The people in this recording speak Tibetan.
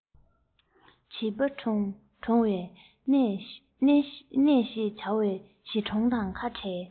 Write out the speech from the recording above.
བྱིས པ གྲོངས པའི གནས ཤེས བྱ བའི ཞིང གྲོང དང ཁ བྲལ